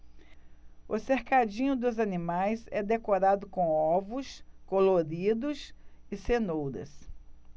o cercadinho dos animais é decorado com ovos coloridos e cenouras